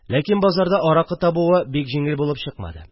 Ләкин базарда аракы табуы бик җиңел булып чыкмады